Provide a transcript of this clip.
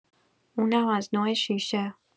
اونم از نوع شیشه.